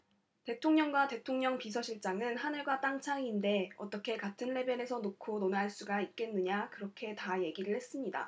대통령과 대통령 비서실장은 하늘과 땅 차이인데 어떻게 같은 레벨에서 놓고 논할 수가 있겠느냐 그렇게 다 얘기를 했습니다